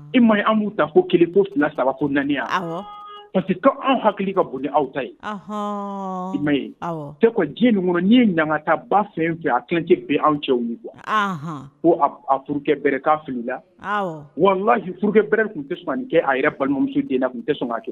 I ma an b'u ta fo kelen ko fila saba ko naani pa que ko anw hakili ka bon aw ta yen ye tɛ diɲɛ ninnu kɔnɔ n' ye nana taa ba fɛn fɛ a kelen tɛ bɛn anw cɛw kuwa ko furukɛ bere' fili la wala laajiurukɛrɛ tun tɛ sɔn kɛ a yɛrɛ balimamuso den na tun tɛ sɔn ka kɛ